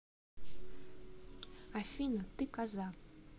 афина ты коза